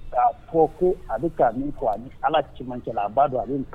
K' fɔ ko a ka min fɔ a ala cɛmancɛ a b'a don a